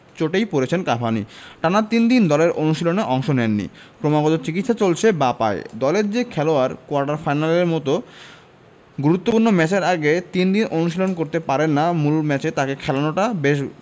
চোটেই পড়েছেন কাভানি টানা তিন দিন দলের অনুশীলনে অংশ নেননি ক্রমাগত চিকিৎসা চলছে বাঁ পায়ে দলের যে খেলোয়াড় কোয়ার্টার ফাইনালের মতো গুরুত্বপূর্ণ ম্যাচের আগে তিন দিন অনুশীলন করতে পারেন না মূল ম্যাচে তাঁকে খেলানোটা বেশ